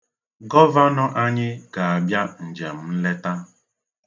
Gọvanọ anyị ga-abịa njem nleta.